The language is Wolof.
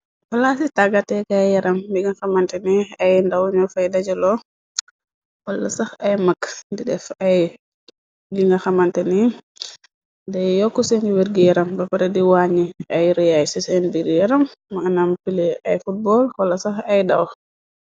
Palaas ci tàggatee ki ay yaram mi nga xamante ni ay ndaw ño fay dajaloo. Wala sax ay mag di def ay gi nga xamante ni day yokk sengi wërgi yaram. Ba pare di wàññi ay rëaay ci seen bir yaram mu anam pile ay footbol xola sax ay daw.